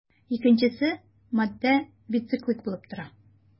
Икенчесе матдә бициклик булып тора.